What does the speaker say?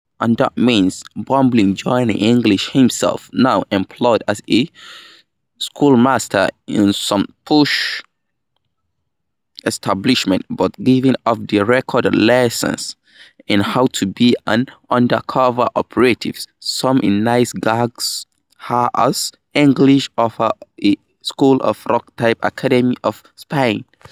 And that means bumbling Johnny English himself, now employed as a schoolmaster in some posh establishment, but giving off-the-record lessons in how to be an undercover operative: some nice gags here, as English offers a School of Rock-type academy of spying.